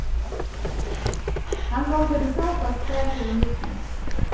hann gongur til fótbólt tvær ferðir um vikuna